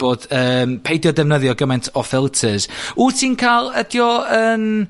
bod yym peidio defnyddio gymaint o filters. Wt ti'n ca'l... Ydi o yn...